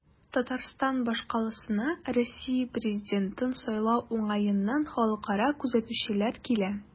Татарстан башкаласына Россия президентын сайлау уңаеннан халыкара күзәтүчеләр килә.